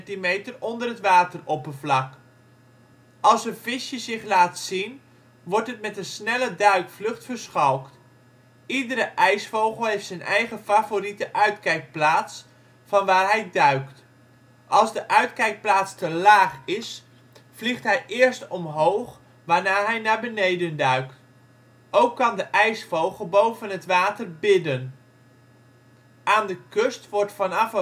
25 cm onder het wateroppervlak. Als een visje zich laat zien wordt het met een snelle duikvlucht verschalkt. Iedere ijsvogel heeft zijn eigen favoriete uitkijkplaats vanwaar hij duikt. Als de uitkijkplaats te laag is, vliegt hij eerst omhoog waarna hij naar beneden duikt. Ook kan de ijsvogel boven het water " bidden ". Aan de kust wordt vanaf